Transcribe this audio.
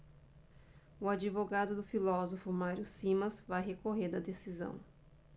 o advogado do filósofo mário simas vai recorrer da decisão